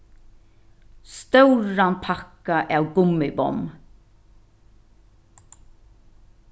stóran pakka av gummibomm